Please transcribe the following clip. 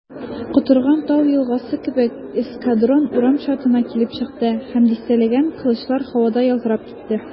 Котырган тау елгасы кебек эскадрон урам чатына килеп чыкты, һәм дистәләгән кылычлар һавада ялтырап китте.